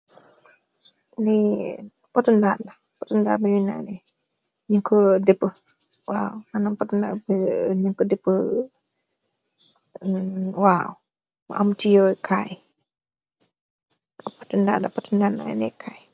pot ti ndal buñu nane nuñ ko depa waw manam pot ti ndal bi nuñ ko depa mungi teyeh kai waw pot ti naneh kaay